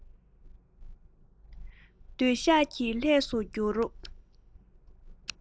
སྡོད ཤག གི ལྷས སུ བསྡད